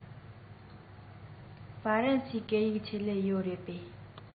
ཧྥ རན སིའི སྐད ཡིག ཆེད ལས ཡོད རེད པས